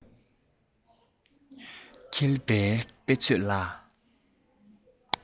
འཁྱིལ པའི དཔེ མཛོད ལ